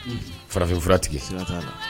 Unhun, farafinfuratig, sika t'a la, unhun.